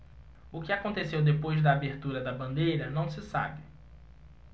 o que aconteceu depois da abertura da bandeira não se sabe